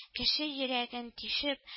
Кеше йөрәген тишеп